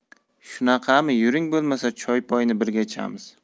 shunaqami yuring bo'lmasa choy poyni birga ichamiz